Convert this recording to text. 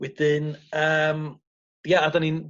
Wedyn yym ia a 'dan ni'n